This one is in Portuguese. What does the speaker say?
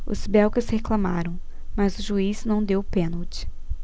os belgas reclamaram mas o juiz não deu o pênalti